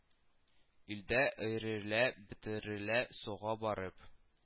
Илдә өерелә-бөтерелә суга барып